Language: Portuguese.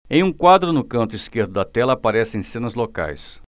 em um quadro no canto esquerdo da tela aparecem cenas locais